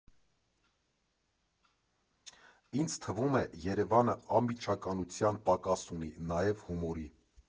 Ինձ թվում է՝ Երևանը անմիջականության պակաս ունի, նաև՝ հումորի։